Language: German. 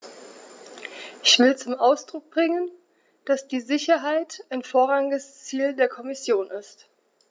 Ich will zum Ausdruck bringen, dass die Sicherheit ein vorrangiges Ziel der Kommission ist.